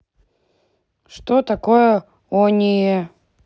что такое онее